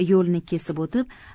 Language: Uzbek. yo'lni kesib o'tib